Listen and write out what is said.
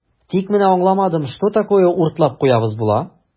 Тик менә аңламадым, что такое "уртлап куябыз" була?